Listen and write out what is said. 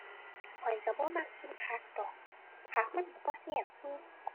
ข้อยก็บ่มักกินผักดอก ผักมันน่ะบ่แซ่บอยู่